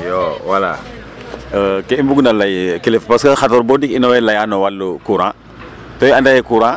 Iyo wala ke i mbugna lay kilifa parce que bo ndik in woy laya no walum courant to i anda yee courant